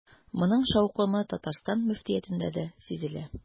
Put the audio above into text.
Моның шаукымы Татарстан мөфтиятендә дә сизелә.